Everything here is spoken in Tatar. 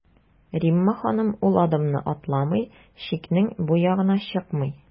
Римма ханым ул адымны атламый, чикнең бу ягына чыкмый.